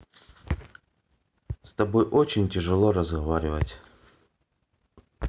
с тобой очень тяжело разговаривать